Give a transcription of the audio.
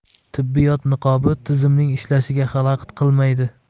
tibbiyot niqobi tizimning ishlashiga xalaqit qilmaydi